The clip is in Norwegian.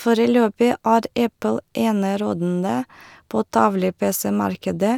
Foreløpig er Apple enerådende på tavle-pc-markedet,